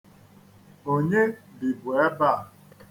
Onye bibu ebe a?